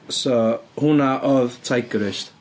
So hwnna oedd Tigerist.